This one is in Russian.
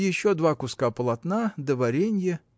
– Еще два куска полотна, да варенье.